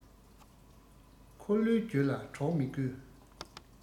འཁོར ལོས བསྒྱུར ལ གྲོགས མི དགོས